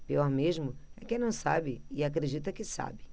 pior mesmo é quem não sabe e acredita que sabe